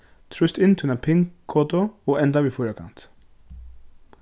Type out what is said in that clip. trýst inn tína pin-kodu og enda við fýrakanti